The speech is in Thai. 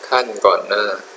ขั้นก่อนหน้า